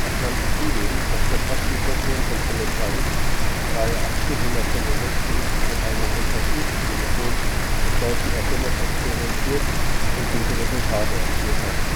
kannte zudem das Kontaktmikrophon von Philipp Reis, da er 1865 mit einem importierten Telefon des deutschen Erfinders experimentiert und gute Resultate erzielt hatte